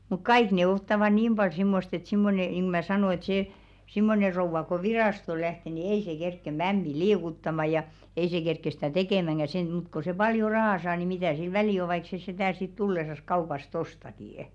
mutta kaikki ne ottavat niin paljon semmoista että semmoinen niin kuin minä sanon että se semmoinen rouva kun virastoon lähtee niin ei se kerkeä mämmiä liikuttamaan ja ei se kerkeä sitä tekemäänkään sen mutta kun se paljon rahaa saa niin mitä sillä väliä on vaikka se sitä sitten tullessa kaupasta ostaakin